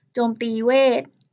โจมตีเวท